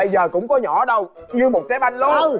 bây giờ cũng có nhỏ đâu như một trái banh luôn